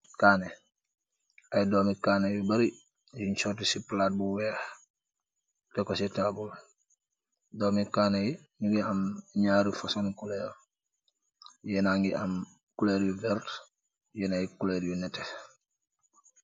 Kane, aye dome Kane yu bary yun sute se palate bu weeh tek ku se table , dome Kane yu nugi am nyari fusung coloor , yenagi am coloor bu werrta yena yee coloor bu neete.